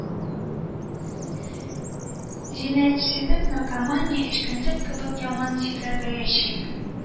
Җинаятьчелек, наркомания, эчкечелек кебек яман чирләргә чик